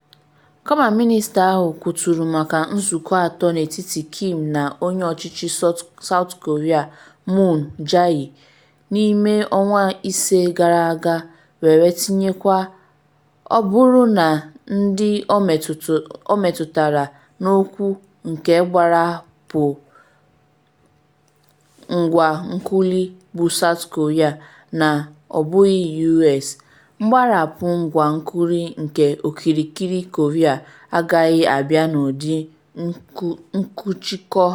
Kama mịnịsta ahụ kwuturu maka nzụkọ atọ n’etiti Kim na onye ọchịchị South Korea Moon Jae-in n’ime ọnwa ise gara aga were tinyekwa: “Ọ bụrụ na ndị ọ metutara n’okwu nke mgbarapụ ngwa nuklịa bụ South Korea na ọ bụghị U.S, mgbarapụ ngwa nuklịa nke okirikiri Korea agaghị abịa n’ụdị nkụchikọ a.”